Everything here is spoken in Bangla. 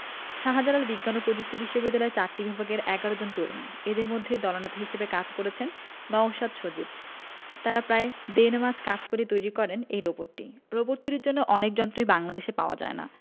শাহজালাল বিজ্ঞান ও পযুক্তি বিশ্ববিদ্যালয়ের চারটি বিভাগের ১১ জন তরুণ এদের মধ্যে দলনেতা হিসেবে কাজ করেছেন নওশাদ সজীব তারা প্রায় দেড় মাস কাজ করে তৈরি করেন এই রোবটটি রোবট তৈরির জন্য অনেক যন্ত্রই বাংলাদেশে পাওয়া যায় না